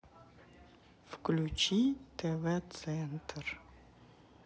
включи тв центр